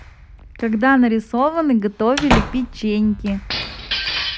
когда насованы готовили печеньки